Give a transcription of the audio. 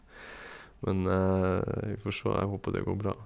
Men vi får sjå, jeg håper det går bra.